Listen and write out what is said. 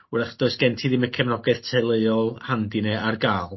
'w'rach does gen ti ddim y cefnogaeth teuluol handi 'ne ar ga'l.